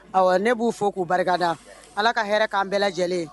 Ɔ ne b'u fɔ k'u barikada ala ka hɛrɛ k'an bɛɛ lajɛlen